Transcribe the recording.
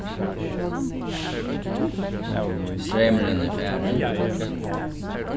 streymurin er farin